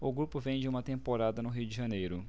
o grupo vem de uma temporada no rio de janeiro